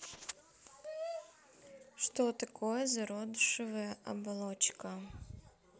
что такое зародышевая оболочка